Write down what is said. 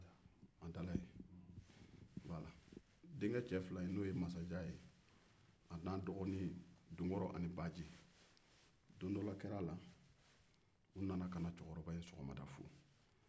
don do kɛra a la denkɛ saba in masajan dunkɔrɔ ani badji u nana cɛkorɔba fo